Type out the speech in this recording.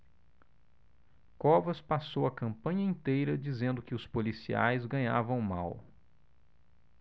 covas passou a campanha inteira dizendo que os policiais ganhavam mal